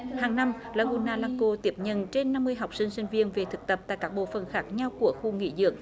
hàng năm la gô na na cô tiếp nhận trên năm mươi học sinh sinh viên về thực tập tại các bộ phận khác nhau của khu nghỉ dưỡng